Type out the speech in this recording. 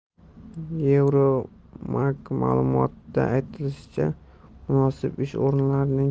euromagma'lumotda aytilishicha munosib ish o'rinlarining